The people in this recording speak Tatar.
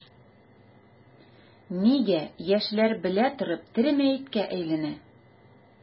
Нигә яшьләр белә торып тере мәеткә әйләнә?